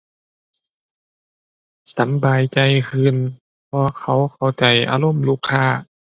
สำบายใจขึ้น เพราะเขาเข้าใจอารมณ์ลูกค้า